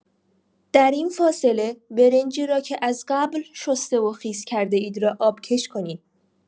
در این فاصله برنجی را که از قبل شسته و خیس کرده‌اید را آبکش کنید.